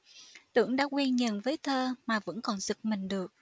tưởng đã quen nhờn với thơ mà vẫn còn giật mình được